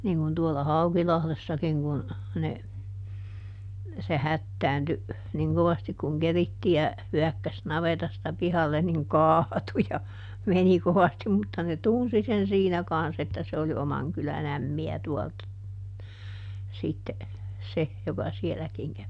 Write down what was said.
niin kuin tuolla Haukilahdessakin kun ne se hätääntyi niin kovasti kun keritsijä hyökkäsi navetasta pihalle niin kaatui ja meni kovasti mutta ne tunsi sen siinä kanssa että se oli oman kylän ämmiä tuolta sitten se joka sielläkin kävi